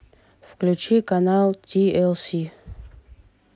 включи канал ти эл си